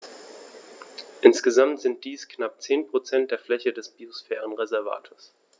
Insgesamt sind dies knapp 10 % der Fläche des Biosphärenreservates.